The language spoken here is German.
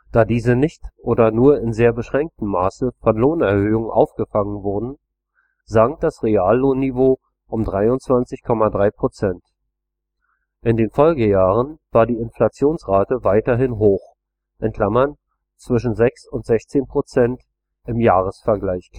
Da diese nicht oder nur in sehr beschränktem Maße von Lohnerhöhungen aufgefangen wurden, sank das Reallohnniveau um 23,2 %. In den Folgejahren war die Inflationsrate weiterhin hoch (zwischen 6 und 16 Prozent im Jahresvergleich